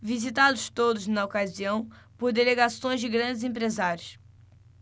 visitados todos na ocasião por delegações de grandes empresários